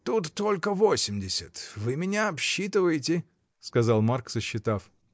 — Тут только восемьдесят: вы меня обсчитываете, — сказал Марк, сосчитав.